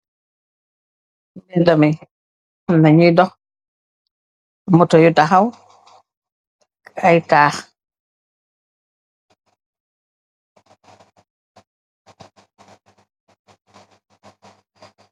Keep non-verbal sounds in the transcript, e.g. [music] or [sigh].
[inaudible] am na ñyuy dox, moto yi taxaw, ay taax.